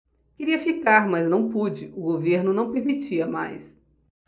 queria ficar mas não pude o governo não permitia mais